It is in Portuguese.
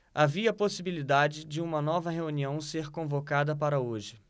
havia possibilidade de uma nova reunião ser convocada para hoje